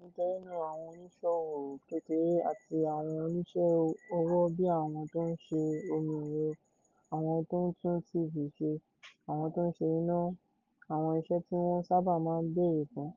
Nítorí náà, àwọn oníṣòwò kékeré àti àwọn oníṣẹ́ ọwọ́ bí àwọ́n tó ń ṣe omi ẹ̀rọ / àwọn tó ń tún TV ṣe / àwọn tó ń se iná (àwọn iṣẹ́ tí wọ́n sábà máa bèrè fún)